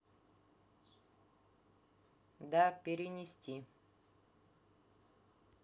да перенести